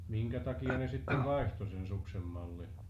minkä takia ne sitten vaihtoi sen suksen mallin